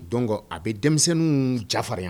Don a bɛ denmisɛnnin dafafarinya